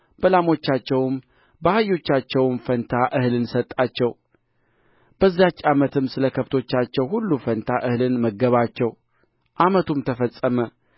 በላሞቻቸውም በአህዮቻቸውም ፋንታ እህልን ሰጣቸው በዚያች ዓመትም ስለ ከብቶቻቸው ሁሉ ፋንታ እህልን መገባቸው ዓመቱም ተፈጸመ